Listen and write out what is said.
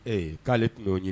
Ee k'ale tun'o ye